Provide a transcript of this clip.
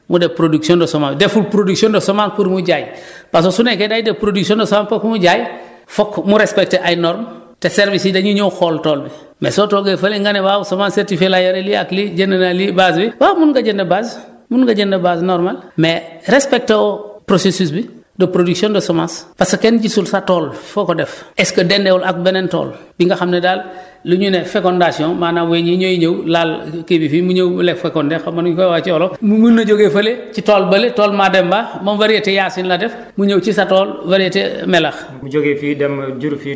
mu respecté les normes mu def production de semence deful production de semence pour mu jaay parec que su nekkee day def production de semence pour mu jaay foog mu respecté ay normes te services yi dañuy ñëw xool tool bi mais soo toogee fële nga ne waaw semence certifiée laa yore lii ak lii jënd naa lii base bi waaw mën nga jënd base mën nga jënd base normale mais respecté woo processus bi de production de semence parce que kenn gisul sa tool foo ko def est ce que dendeewul ak beneen tool bi nga xam ne daal lu ñu ne fécondation maanaam wéñ yi ñooy ñëw laal kii bi fii mu ñëw les fécondé xawma nu ñu koy waxee ci olof mën na jógee fële ci tool bële tool Mademba moom variété :!fra Yacine la def mu ñëw ci sa tool variété :!fra melex